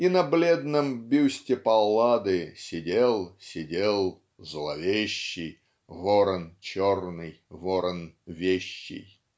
и на бледном бюсте Паллады сидел сидел "зловещий Ворон черный Ворон вещий".